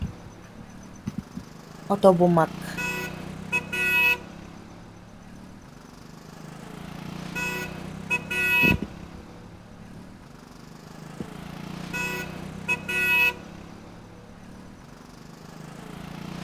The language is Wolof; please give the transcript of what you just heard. Ooto bu magg